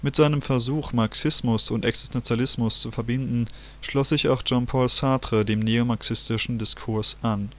seinem Versuch, Marxismus und Existenzialismus zu verbinden, schloss sich auch Jean-Paul Sartre dem neomarxistischen Diskurs an